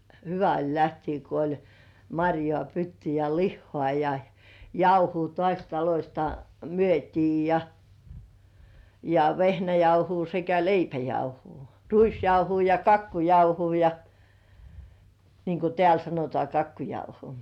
hyvä oli lähteä kun oli marjaa pytty ja lihaa ja jauhoa taas talosta myytiin ja ja vehnäjauhoa sekä leipäjauhoa ruisjauhoa ja kakkujauhoa ja niin kuin täällä sanotaan kakkujauho